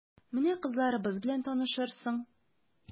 Менә кызларыбыз белән танышырсың...